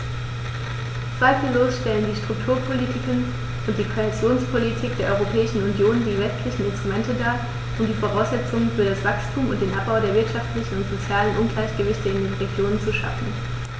Zweifellos stellen die Strukturpolitiken und die Kohäsionspolitik der Europäischen Union die wesentlichen Instrumente dar, um die Voraussetzungen für das Wachstum und den Abbau der wirtschaftlichen und sozialen Ungleichgewichte in den Regionen zu schaffen.